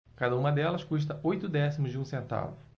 cada uma delas custa oito décimos de um centavo